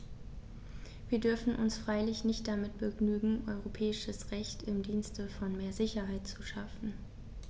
Wir dürfen uns freilich nicht damit begnügen, europäisches Recht im Dienste von mehr Sicherheit zu schaffen.